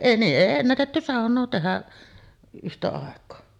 niin ei ennätetty saunaa tehdä yhtä aikaa